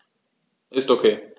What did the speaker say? Ist OK.